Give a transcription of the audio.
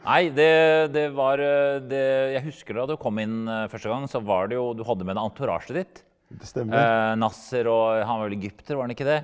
nei det det var det jeg husker da du kom inn første gang så var det jo du hadde med deg euntouragen ditt Nasser og han var vel egypter var han ikke det.